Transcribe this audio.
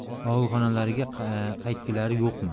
og'ilxonalariga qaytgilari yo'qmi